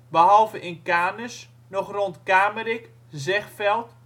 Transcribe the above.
behalve in Kanis, nog rond Kamerik, Zegveld